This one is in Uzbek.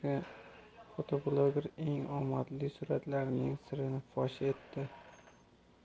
suratlarining sirini fosh etdi